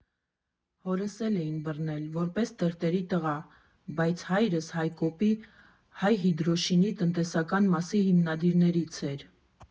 Հորս էլ էին բռնել՝ որպես տերտերի տղա, բայց հայրս հայկոպի, հայհիդրոշինի տնտեսական մասի հիմնադիրներից էր։